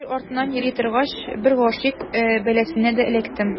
Җыр артыннан йөри торгач, бер гыйшык бәласенә дә эләктем.